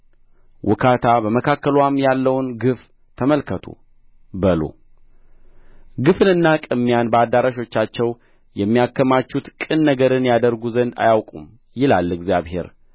ውካታ በመካከልዋም ያለውን ግፍ ተመልከቱ በሉ ግፍንና ቅሚያን በአዳራሾቻቸው የሚያከማቹት ቅን ነገርን ያደርጉ ዘንድ አያውቁም ይላል እግዚአብሔር